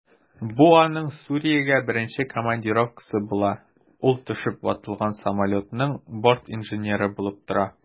Бу аның Сүриягә беренче командировкасы була, ул төшеп ватылган самолетның бортинженеры булып тора.